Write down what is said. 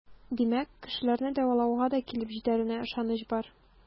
Димәк, кешеләрне дәвалауга да килеп җитәренә ышаныч бар.